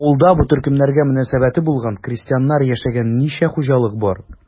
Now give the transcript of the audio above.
Авылда бу төркемнәргә мөнәсәбәте булган крестьяннар яшәгән ничә хуҗалык бар?